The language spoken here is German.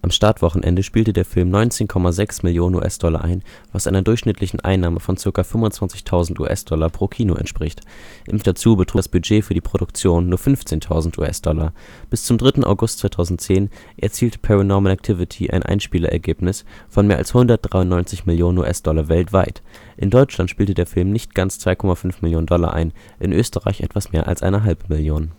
Startwochenende spielte der Film 19,6 Mio. US-Dollar ein, was einer durchschnittlichen Einnahme von ca. 25.000 US-Dollar pro Kino entspricht. Im Vergleich dazu betrug das Budget für die Produktion nur 15.000 US-Dollar. Bis zum 3. August 2010 erzielte Paranormal Activity ein Einspielergebnis von mehr als 193 Millionen US-Dollar weltweit. In Deutschland spielte der Film nicht ganz 2,5 Millionen Dollar ein, in Österreich etwas mehr als eine halbe Million